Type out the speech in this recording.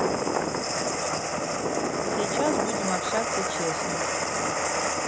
сейчас будем общаться честный